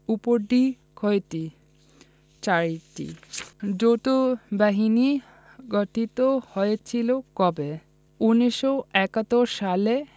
উপাধি কয়টি চারটি যৌথবাহিনী গঠিত হয়েছিল কবে ১৯৭১ সালের